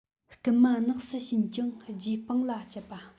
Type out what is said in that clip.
རྐུན མ ནགས སུ ཕྱིན ཀྱང རྗེས སྤང ལ བཅད པ